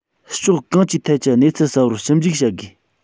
ཕྱོགས གང ཅིའི ཐད ཀྱི གནས ཚུལ གསར པར ཞིབ འཇུག བྱ དགོས